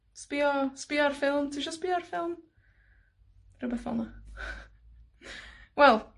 Sbïo, sbïa ar ffilm, tisio sbïo ar ffilm, rhywbeth fel 'na. Wel